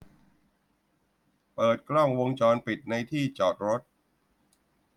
เปิดกล้องวงจรปิดในที่จอดรถ